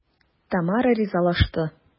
Тамара ризалашты.